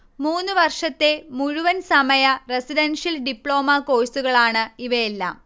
മൂന്നുവർഷത്തെ മുഴുവൻ സമയ residential diploma കോഴ്സുകളാണ് ഇവയെല്ലാം